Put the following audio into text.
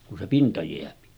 kun se pinta jää